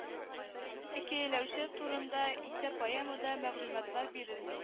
Хикәяләүче турында исә поэмада мәгълүматлар бирелми